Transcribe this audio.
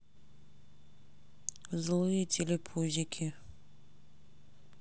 злые телепузики